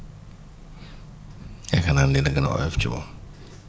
yaakaar naa ne dina gën a oyof ci moom